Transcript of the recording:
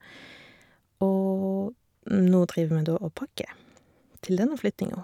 Og nå driver vi da og pakker til denne flyttinga.